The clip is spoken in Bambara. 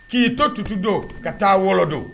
K'i to Tutudo ka taa Wɔlɔdo